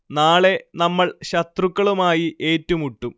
നാളെ നമ്മൾ ശത്രുക്കളുമായി ഏറ്റുമുട്ടും